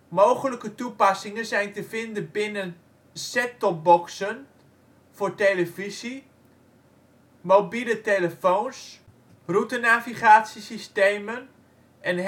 Mogelijke toepassingen zijn te vinden binnen settopboxen voor televisie, mobiele telefoons, routenavigatiesystemen en